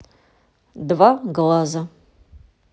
два глаза